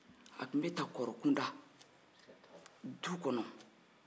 a tun bɛ ta kɔrɔ kun da du kɔnɔ